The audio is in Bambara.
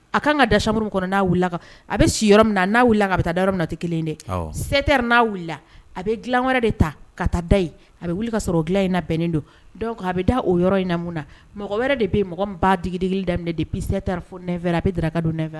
A kan ka da samuru kɔnɔ n'a wili kan a bɛ si yɔrɔ min minna n'a wili kan a bɛ taa da yɔrɔ min na tɛ kelen dɛ sɛta n'a wulila a bɛ dila wɛrɛ de ta ka taa dayi a bɛ wuli ka sɔrɔ dilan in na bɛnnen don a bɛ da o yɔrɔ in na mun na mɔgɔ wɛrɛ de bɛ mɔgɔ n ba digidi daminɛ de bi seta fo nɛrɛ a bɛ drakaka don n